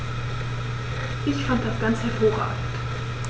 Ich fand das ganz hervorragend.